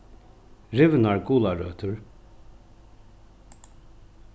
rivnar gularøtur